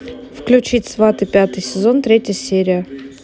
включить сваты пятый сезон третья серия